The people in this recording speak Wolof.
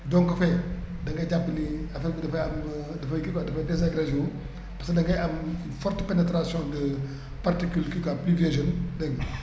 donc fee da ngay jàpp ni affaire bi dafay am dafay kii quoi dafay desengragé wu parce que da ngay am forte pénétration de particule kii quoi pluviogéneux dégg nga